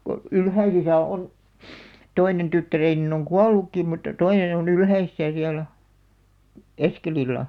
kun Ylhäisissä on toinen tyttäreni on kuollutkin mutta toinen on Ylhäisissä siellä Eskelillä